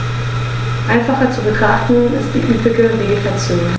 Einfacher zu betrachten ist die üppige Vegetation.